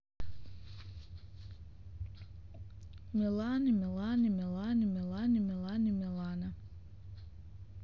милана милана милана милана милана милана